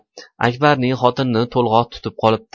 akbarning xotinini to'lg'oq tutib qolibdi